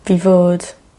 'di fod